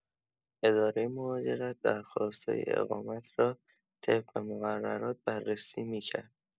اداره مهاجرت درخواست‌های اقامت را طبق مقررات بررسی می‌کرد.